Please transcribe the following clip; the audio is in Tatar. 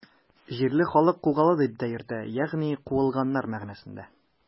Җирле халык Кугалы дип тә йөртә, ягъни “куылганнар” мәгънәсендә.